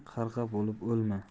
qarg'a bo'lib o'lma